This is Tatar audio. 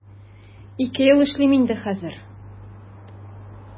Ике ел эшлим инде хәзер.